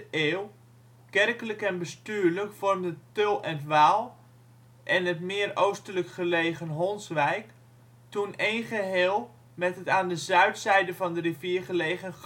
eeuw. Kerkelijk en bestuurlijk vormden Tull en ' t Waal (en het meer oostelijk gelegen Honswijk) toen één geheel met het aan de zuidzijde van de rivier gelegen